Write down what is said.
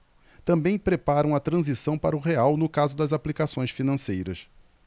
também preparam a transição para o real no caso das aplicações financeiras